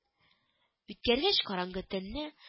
Үткәргәч караңгы төнне